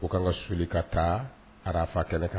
U kaan ka soli ka taa arafa kɛnɛ kan